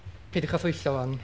Peidiwch a thwyllo ŵan.